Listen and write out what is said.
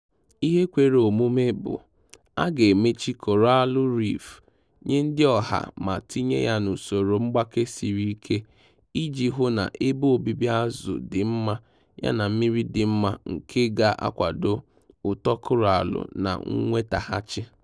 Ihe kwere omume bụ, a ga-emechi Koraalụ Reef nye ndị ọha ma tinye ya n'usoro mgbake siri ike iji hụ na ebe obibi azụ dị mma ya na mmiri dị mma nke ga-akwado uto koraalụ na nwetaghachị.